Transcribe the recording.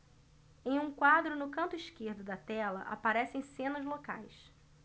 em um quadro no canto esquerdo da tela aparecem cenas locais